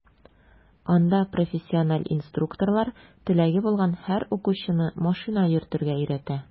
Анда профессиональ инструкторлар теләге булган һәр укучыны машина йөртергә өйрәтә.